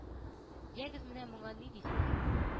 Ягез менә моңа ни дисез